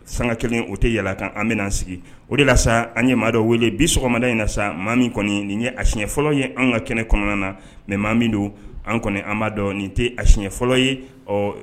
Sanga kelen o tɛ yaa kan an bɛna sigi o de la an ɲɛ maa dɔ wele bi sɔgɔmada in na sa maa min kɔni nin ye a siɲɛfɔ ye an ka kɛnɛ kɔnɔna na mɛ maa min don an kɔni an' dɔn nin tɛ acɲɛfɔ ye ɔ